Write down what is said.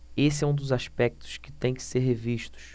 esse é um dos aspectos que têm que ser revistos